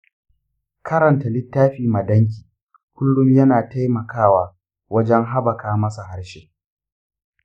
karanta littafi ma danki kullum yana taimakawa wajen habaka masa harshe.